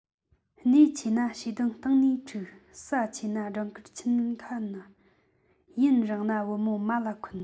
བརྙས ཆེ ན ཞེ སྡང གཏིང ནས འཁྲུག ཟ ཆེ ན སྦྲང དཀར མཆིན ཁ ན ཡུན རིང ན བུ མོ མ ལ འཁོན